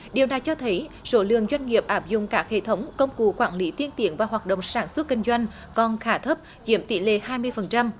điều này cho thấy số lượng doanh nghiệp áp dụng các hệ thống công cụ quản lý tiên tiến và hoạt động sản xuất kinh doanh còn khá thấp chiếm tỷ lệ hai mươi phần trăm